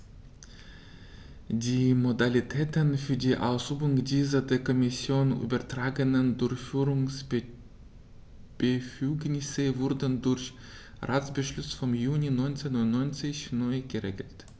Die Modalitäten für die Ausübung dieser der Kommission übertragenen Durchführungsbefugnisse wurden durch Ratsbeschluss vom Juni 1999 neu geregelt.